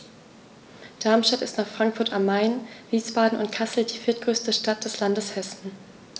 Darmstadt ist nach Frankfurt am Main, Wiesbaden und Kassel die viertgrößte Stadt des Landes Hessen